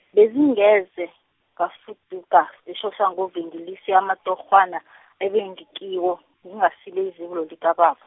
bezingeze, ngafuduka, eSoshanguve ngilise namatorhwana , ebengikiwo, ngingasilo izibulo lakababa.